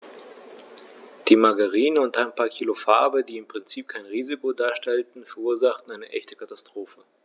Die Margarine und ein paar Kilo Farbe, die im Prinzip kein Risiko darstellten, verursachten eine echte Katastrophe.